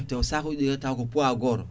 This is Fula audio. te sakuji ɗi taw ko poid goto